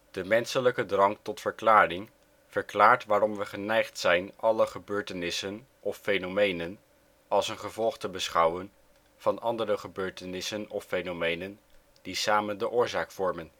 De menselijke drang tot verklaring verklaart waarom we geneigd zijn alle gebeurtenissen of fenomenen als een gevolg te beschouwen van andere gebeurtenissen of fenomenen die samen de oorzaak vormen